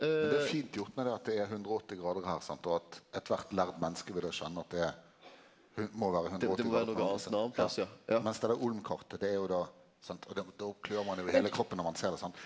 men det er fint gjort med det at det er 180 grader her sant og at eit kvart lærd menneske vil då skjønne at det må vere 180 mens det der Olm-kartet det er jo då sant og det då klør ein jo i heile kroppen når ein ser det sant.